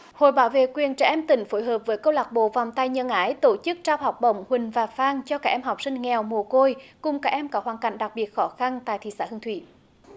hội bảo vệ quyền trẻ em tỉnh phối hợp với câu lạc bộ vòng tay nhân ái tổ chức trao học bổng huỳnh và phan cho các em học sinh nghèo mồ côi cùng các em có hoàn cảnh đặc biệt khó khăn tại thị xã hương thủy